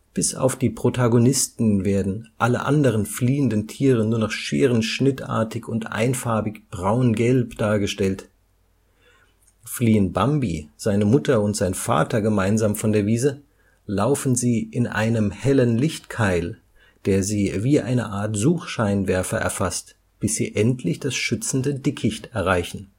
Bis auf die Protagonisten werden alle anderen fliehenden Tiere nur noch scherenschnittartig und einfarbig braun/gelb dargestellt. Fliehen Bambi, seine Mutter und sein Vater gemeinsam von der Wiese, laufen sie in einem hellen Lichtkeil, der sie wie eine Art Suchscheinwerfer erfasst, bis sie endlich das schützende Dickicht erreichen